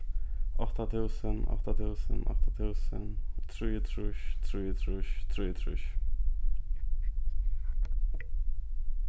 átta túsund átta túsund átta túsund trýogtrýss trýogtrýss trýogtrýss